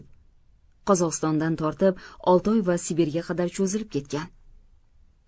qozogistondan tortib oltoy va sibirga qadar cho'zilib ketgan